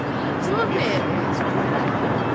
Ti'n gwbod be?... Know your place, who do you think you are?